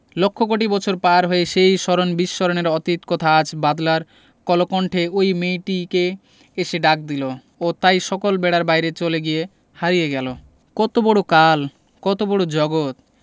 লক্ষ কোটি বছর পার হয়ে সেই স্মরণ বিস্মরণের অতীত কথা আজ বাদলার কলকণ্ঠে ঐ মেয়েটিকে এসে ডাক দিল ও তাই সকল বেড়ার বাইরে চলে গিয়ে হারিয়ে গেল কত বড় কাল কত বড় জগত